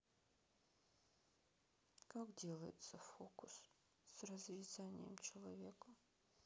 как делается фокус с разрезанием человека